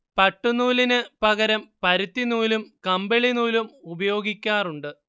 പട്ട്നൂലിന് പകരം പരുത്തി നൂലും കമ്പിളി നൂലും ഉപയോഗിക്കാറുണ്ട്